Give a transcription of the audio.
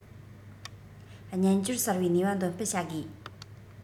སྨྱན སྦྱོར གསར པའི ནུས པ འདོན སྤེལ བྱ དགོས